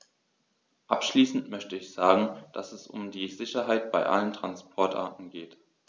Abschließend möchte ich sagen, dass es um die Sicherheit bei allen Transportarten geht.